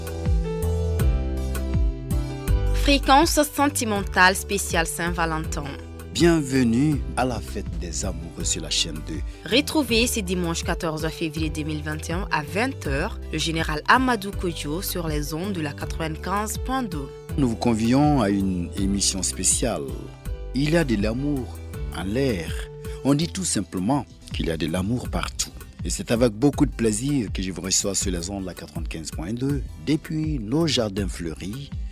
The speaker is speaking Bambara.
Vkantipsifalantɔn bi2 ala fɛsasi isidiz fiv2 a2tɔ inaka amadu ko jo sure don la kakanp don nfiyɔn miypsiya la i la dela ale odi tu senpma kila delamu seta bɔ bilasi kifasisilaz la ka don dep nfi